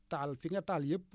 taal fi nga taal yëpp